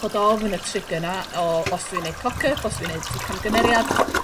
bod ofn y trigger 'na o os dwi'n neud cock up os dwi'n neud camgymeriad